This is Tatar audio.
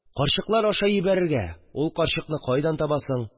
Карчыклар аша йибәрергә, ул карчыкны кайдан табасың